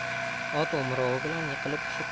ot o'mrovi bilan yiqilib tushib